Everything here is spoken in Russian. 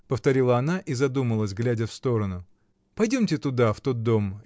— повторила она и задумалась, глядя в сторону. — Пойдемте туда, в тот дом.